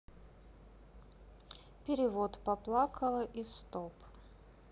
перевод поплакала и стоп